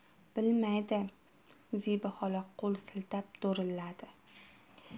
bilmaydi zebi xola qo'l siltab do'rilladi